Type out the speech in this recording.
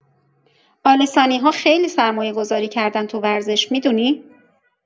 آل‌ثانی‌ها خیلی سرمایه‌گذاری کردن تو ورزش، می‌دونی؟